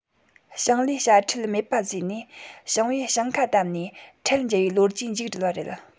ཞིང ལས དཔྱ ཁྲལ མེད པ བཟོས ནས ཞིང པས ཞིང ཁ བཏབ ནས ཁྲལ འཇལ བའི ལོ རྒྱུས མཇུག བསྒྲིལ བ རེད